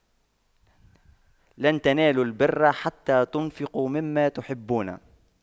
لَن تَنَالُواْ البِرَّ حَتَّى تُنفِقُواْ مِمَّا تُحِبُّونَ